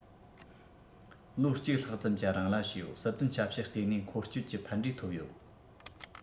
ལོ གཅིག ལྷག ཙམ གྱི རིང ལ བྱས ཡོད སྲིད དོན ཞབས ཞུ ལྟེ གནས འཁོར སྐྱོད ཀྱི ཕན འབྲས ཐོན ཡོད